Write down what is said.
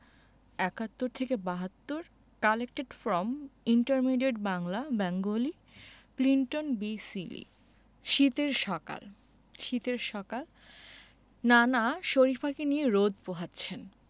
৭১ থেকে ৭২ collected from intermediate Bangla Bengali Clinton B Seely শীতের সকাল শীতের সকাল নানা শরিফাকে নিয়ে রোদ পোহাচ্ছেন